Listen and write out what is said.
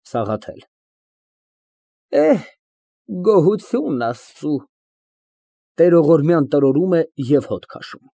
ՍԱՂԱԹԵԼ ֊ Էհ, գոհություն Աստծո։ (Տեղողորմյան տրորում է և հոտ քաշում)։